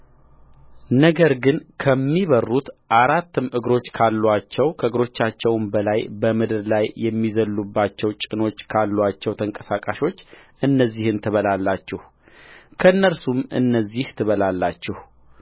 ነገር ግን ከሚበርሩት አራትም እግሮች ካሉአቸው ከእግሮቻቸውም በላይ በምድር ላይ የሚዘልሉባቸው ጭኖች ካሉአቸው ተንቀሳቃሾች እነዚህን ትበላላችሁከእነርሱም እነዚህን ትበላላችሁ